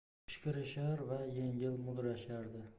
pishqirishar va yengil mudrashardi